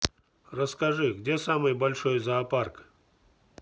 расскажи где самый большой зоопарк